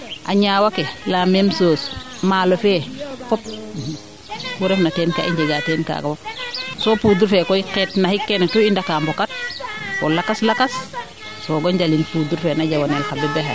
a ñaawa ke la meme chose maalo fee fop ku refna teen kaa i njegaa teen kaaga fop so poudre fee koy xeet naxik keene tout a ndaka mbokat fo lakas lakas soga njal poudre fee na jawanel xa bébé xe